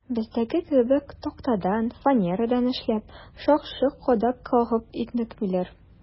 Бездәге кебек тактадан, фанерадан эшләп, шак-шок кадак кагып интекмиләр.